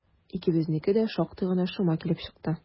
Икебезнеке дә шактый гына шома килеп чыкты.